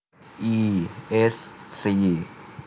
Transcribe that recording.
อีเอสซี